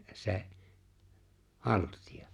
se haltia